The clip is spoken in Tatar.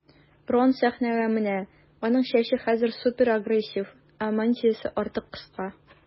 Рон сәхнәгә менә, аның чәче хәзер суперагрессив, ә мантиясе артык кыска.